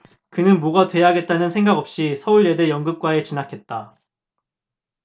그는 뭐가 돼야겠다는 생각 없이 서울예대 연극과에 진학했다